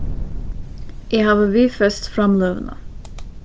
eg havi viðfest framløguna